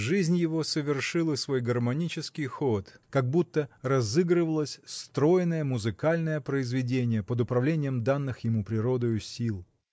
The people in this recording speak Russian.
Жизнь его совершала свой гармонический ход, как будто разыгрывалось стройное музыкальное произведение, под управлением данных ему природою сил.